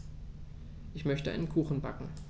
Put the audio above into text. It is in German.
Ich möchte einen Kuchen backen.